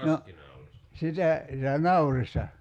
no sitä sitä naurista